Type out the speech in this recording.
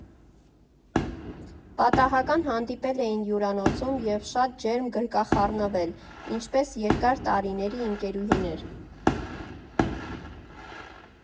Պատահական հանդիպել էին հյուրանոցում և շատ ջերմ գրկախառնվել, ինչպես երկար տարիների ընկերուհիներ։